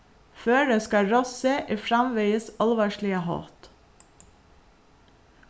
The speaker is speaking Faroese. føroyska rossið er framvegis álvarsliga hótt